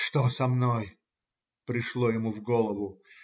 Что со мной?" пришло ему в голову.